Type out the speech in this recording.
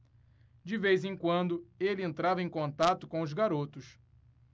de vez em quando ele entrava em contato com os garotos